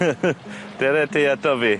Dere ti ato fi.